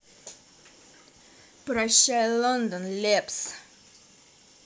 прощай лондон лепс